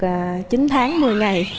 à được chín tháng mười ngày